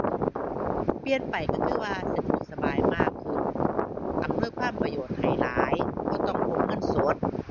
เปลี่ยนไปก็คือว่าสะดวกสบายมากขึ้น อำนวยความประโยชน์ให้หลาย บ่ต้องพกเงินสด